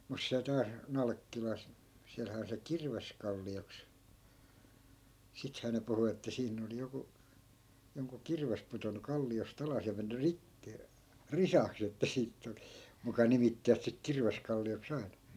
mutta siellä taas Nalkkilassa siellähän on se Kirveskallioksi sittenhän ne puhui että siinä oli joku jonkun kirves pudonnut kalliosta alas ja mennyt - risaksi jotta siitä tuli muka nimittivät siksi Kirveskallioksi aina